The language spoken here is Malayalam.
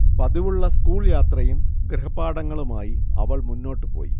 പതിവുള്ള സ്കൂൾ യാത്രയും ഗൃഹപാഠങ്ങളുമായി അവൾ മുന്നോട്ടു പോയി